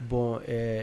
Bɔn ɛɛ